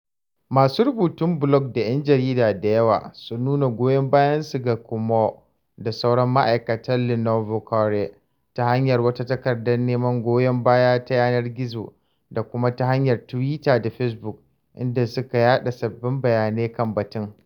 Masu rubutun blog da ‘yan jarida da yawa sun nuna goyon bayansu ga Kouamouo da sauran ma’aikatan Le Nouveau Courrier ta hanyar wata takardar neman goyon baya ta yanar gizo da kuma ta hanyar Twitter da Facebook, inda suka yaɗa sabbin bayanai kan batun.